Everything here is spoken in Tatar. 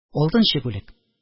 Алтынчы бүлек